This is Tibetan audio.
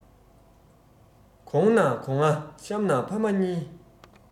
གོང ན གོ བརྡ གཤམ ན ཕ མ གཉིས